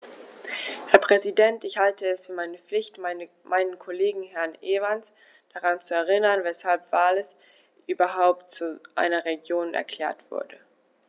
Herr Präsident, ich halte es für meine Pflicht, meinen Kollegen Herrn Evans daran zu erinnern, weshalb Wales überhaupt zu einer Region erklärt wurde.